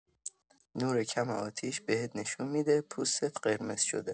نور کم آتیش بهت نشون می‌ده پوستت قرمز شده.